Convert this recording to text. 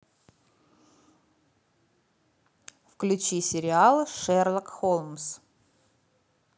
включи сериал шерлок холмс